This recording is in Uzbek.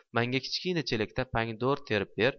manga kichkina chelakda pomidor terib ber